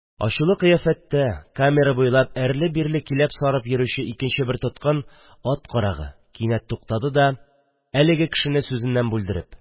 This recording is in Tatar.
Ачулы кыяфәттә камера буйлап әрле-бирле киләп сарып йөрүче икенче бер тоткын – ат карагы – кинәт туктады да, әлеге кешене сүзеннән бүлдереп: